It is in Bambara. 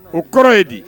O kɔrɔ ye di